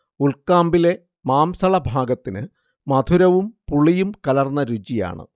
ഉൾക്കാമ്പിലെ മാംസളഭാഗത്തിന് മധുരവും പുളിയും കലർന്ന രുചിയാണ്